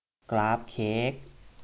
กราฟเค้ก